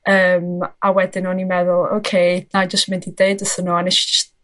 Yym a wedyn o'n i meddwl oce 'nai jys mynd i deud wrthyn nw a nesh sh- sh-...